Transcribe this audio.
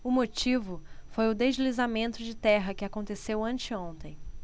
o motivo foi o deslizamento de terra que aconteceu anteontem